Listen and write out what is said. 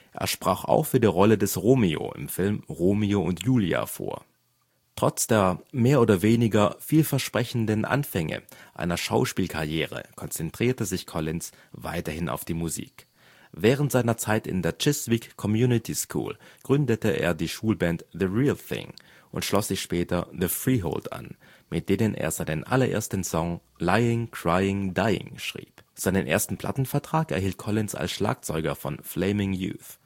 Er sprach auch für die Rolle des Romeo im Film Romeo und Julia vor. Trotz der mehr oder weniger vielversprechenden Anfänge einer Schauspielkarriere konzentrierte sich Collins weiterhin auf die Musik. Während seiner Zeit in der Chiswick Community School gründete er die Schulband The Real Thing und schloss sich später The Freehold an, mit denen er seinen allerersten Song Lying Crying Dying schrieb. Seinen ersten Plattenvertrag erhielt Collins als Schlagzeuger von Flaming Youth